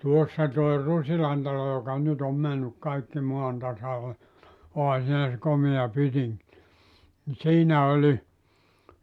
tuossa tuo Rusilan talo joka nyt on mennyt kaikki maan tasalle onhan siinä se komea pytinki niin siinä oli